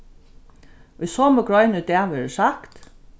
í somu grein í dag verður sagt